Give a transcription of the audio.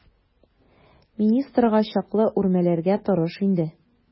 Министрга чаклы үрмәләргә тырыш инде.